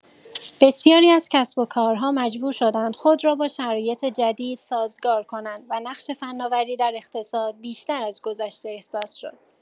بسیاری از کسب‌وکارها مجبور شدند خود را با شرایط جدید سازگار کنند و نقش فناوری در اقتصاد بیشتر از گذشته احساس شد.